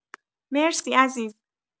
مرسی عزیز